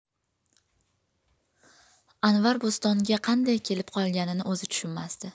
anvar bo'stonga qanday kelib qolganini o 'zi tushunmasdi